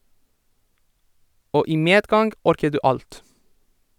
- Og i medgang orker du alt.